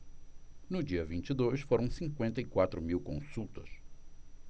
no dia vinte e dois foram cinquenta e quatro mil consultas